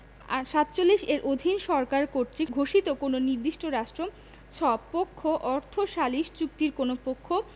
৪৭ এর অধীন সরকার কর্তৃক ঘোষিত কোন নির্দিষ্ট রাষ্ট্র ছ পক্ষ অর্থ সালিস চুক্তির কোন পক্ষ